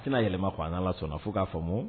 Sina yɛlɛma ko a' la sɔnna fo k'a fɔ ma